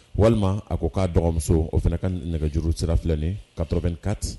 Walima a ko k'a dɔgɔmuso o fana ka nɛgɛjuru sira filɛ nin ye 84